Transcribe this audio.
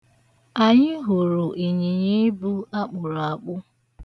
Anyị hụrụ ịnyịnyiibu akpụrụ akpụ.